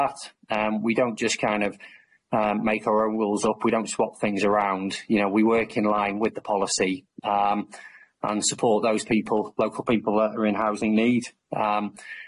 that, and we don't just kind of make our own rules up we don't swap things around you know we work in line with the policy um and support those people local people that are in housing need um.